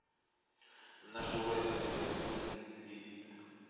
Менә шулай алиһәгә тиңли иде